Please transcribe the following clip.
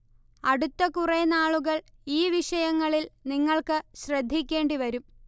അടുത്തകുറെ നാളുകൾ ഈ വിഷയങ്ങളിൽ നിങ്ങൾക്ക് ശ്രദ്ധിക്കേണ്ടി വരും